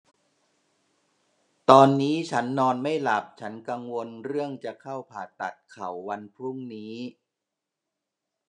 ตอนนี้ฉันนอนไม่หลับฉันกังวลเรื่องจะเข้าผ่าตัดเข่าวันพรุ่งนี้